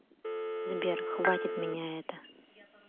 сбер хватит меня это